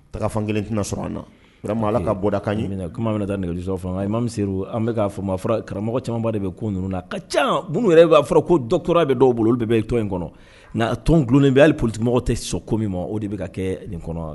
Ta fan kelen tɛna sɔrɔ an nama ala ka bɔda' ɲini kuma min taa nɛgɛli maa min se an bɛ fɔ fɔra karamɔgɔ camanba de bɛ ko ninnu na ka ca yɛrɛ b'a fɔra ko dɔ kura bɛ dɔw bolo olu bɛ to in kɔnɔ tɔnon dulonin bɛ'ale politimɔgɔ tɛ so min ma o de bɛ ka kɛ nin kɔnɔ wa